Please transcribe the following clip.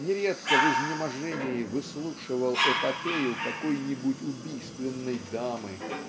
нередко в изнеможении выслушивал эпопею какой-нибудь убийственной дамы.